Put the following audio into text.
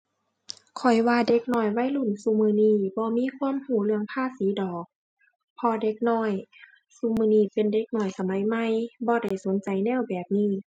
ข้อยว่าเด็กน้อยวัยรุ่นซุมื้อนี้บ่มีความรู้เรื่องภาษีดอก เพราะเด็กน้อยซุมื้อนี้เป็นเด็กน้อยสมัยใหม่ บ่ได้สนใจแนวแบบนี้